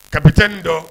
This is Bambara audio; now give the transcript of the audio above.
Kabitin dɔn